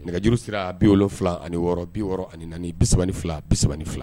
Nɛgɛjuru sera bi wolonwula ani wɔɔrɔ bi wɔɔrɔ ani bi3 fila bi fila